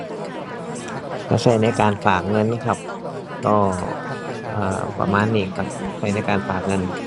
ก็ใช้ในการฝากเงินครับ ก็ เออ ประมาณนี้ครับ ใช้ในการฝากเงิน